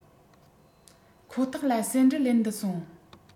ཁོ ཐག ལ ཟེའུ འབྲུ ལེན དུ སོང